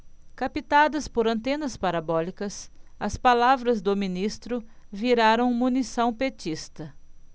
captadas por antenas parabólicas as palavras do ministro viraram munição petista